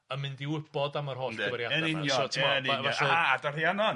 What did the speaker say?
yn mynd i wybod am yr holl gymeriada 'ma . A adar Rhiannon.